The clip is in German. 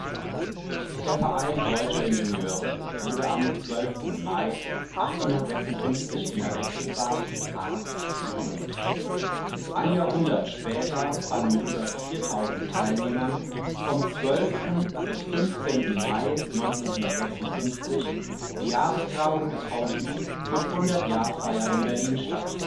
Der Verein Deutscher Ingenieure (VDI) wurde am 12. Mai 1856 in Alexisbad (Harz) gegründet. Ein Jahrhundert später fand mit über 4000 Teilnehmern vom 12. bis 15. Mai 1956 die Jahrestagung des VDI mit Hundertjahrfeier in Berlin statt